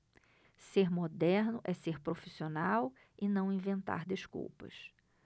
ser moderno é ser profissional e não inventar desculpas